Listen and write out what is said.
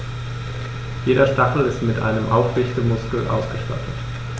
Jeder Stachel ist mit einem Aufrichtemuskel ausgestattet.